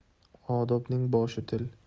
odobning boshi til